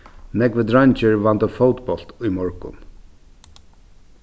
nógvir dreingir vandu fótbólt í morgun